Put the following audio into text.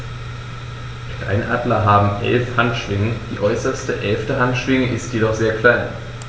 Steinadler haben 11 Handschwingen, die äußerste (11.) Handschwinge ist jedoch sehr klein.